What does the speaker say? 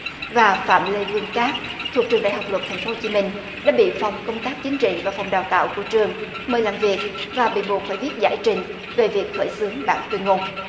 và phạm lê vương các thuộc trường đại học luật thành phố hồ chí minh đã bị phòng công tác chính trị và phòng đào tạo của trường mời làm việc và bị buộc phải viết giải trình về việc khởi xướng bản tuyên ngôn